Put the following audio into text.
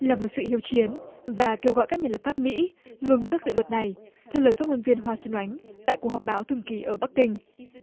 là một sự hiếu chiến và kêu gọi các nhà lập pháp mỹ ngừng các dự luật này theo lời phát ngôn viên hoa xuân oánh tại cuộc họp báo thường kỳ ở bắc kinh